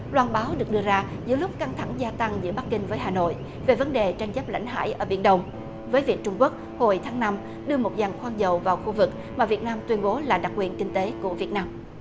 loan báo được đưa ra giữa lúc căng thẳng gia tăng giữa bắc kinh với hà nội về vấn đề tranh chấp lãnh hải ở biển đông với việc trung quốc hồi tháng năm đưa một giàn khoan dầu vào khu vực mà việt nam tuyên bố là đặc quyền kinh tế của việt nam